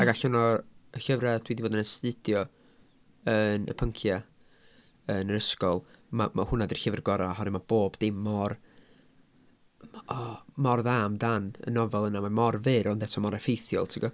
Ac allan o y llyfrau dwi 'di bod yn astudio yn y pynciau yn yr ysgol ma' ma' hwnna 'di'r llyfr gorau oherwydd mae bob dim mor m- o mor dda amdan y nofel yna. Mae mor fyr ond eto mor effeithiol ti'n gwybod?